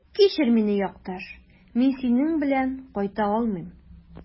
Кичер мине, якташ, мин синең белән кайта алмыйм.